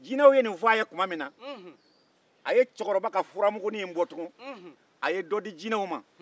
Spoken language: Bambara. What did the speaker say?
jinɛw ye nin fɔ a ye tuma min na a ye cɛkɔrɔba ka furamugunin bɔ ka dɔ di jinɛw ma